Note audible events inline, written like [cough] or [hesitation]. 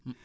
[hesitation]